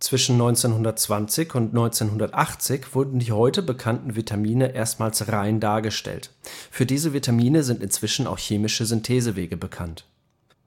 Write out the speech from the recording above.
Zwischen 1920 und 1980 wurden die heute (2004) bekannten Vitamine erstmals rein dargestellt. Für diese Vitamine sind inzwischen auch chemische Synthesewege bekannt.